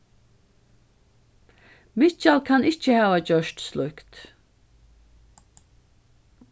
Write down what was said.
mikkjal kann ikki hava gjørt slíkt